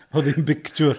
Oedd hi'n bictiwr.